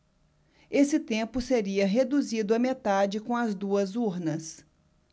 esse tempo seria reduzido à metade com as duas urnas